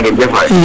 ja ngeen jef way